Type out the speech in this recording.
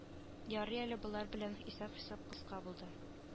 Ярый әле болар белән исәп-хисап кыска булды